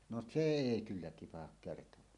no se ei kyllä tipahda kertaakaan